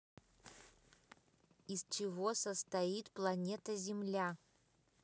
из чего состоит планета земля